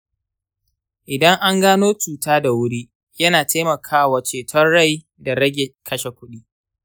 idan an gano cuta da wuri, yana taimakawa ceton rai da rage kashe kuɗi.